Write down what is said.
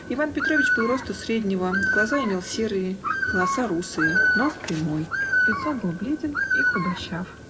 Иван Петрович был росту среднего, глаза имел серые, волоса русые, нос прямой лицом был бел и худощав.